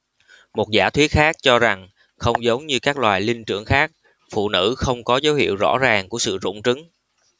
một giả thuyết khác cho rằng không giống như các loài linh trưởng khác phụ nữ không có dấu hiệu rõ ràng của sự rụng trứng